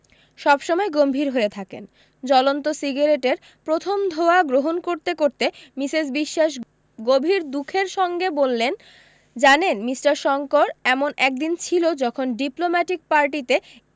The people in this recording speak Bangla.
সব সময় গম্ভীর হয়ে থাকেন জলন্ত সিগারেটের প্রথম ধোঁয়া গ্রহন করতে করতে মিসেস বিশ্বাস গভীর দুখের সঙ্গে বললেন জানেন মিষ্টার শংকর এমন একদিন ছিল যখন ডিপ্লোম্যাটিক পার্টিতে